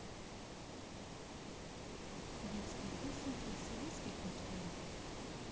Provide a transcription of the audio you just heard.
детские песенки из советских мультфильмов